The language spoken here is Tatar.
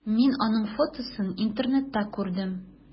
Мин аның фотосын интернетта күрдем.